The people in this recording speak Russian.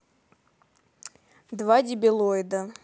два дибилоида